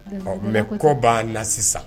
Ɔ mɛ kɔ b'a na sisan